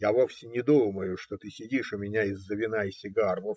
Я вовсе не думаю, что ты сидишь у меня из-за вина и сигар.